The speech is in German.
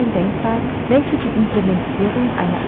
denkbar, welche die Implementierung einer